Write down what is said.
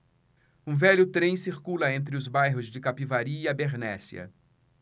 um velho trem circula entre os bairros de capivari e abernéssia